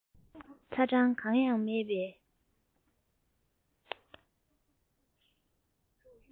ཚ གྲང གང ཡང མེད པའི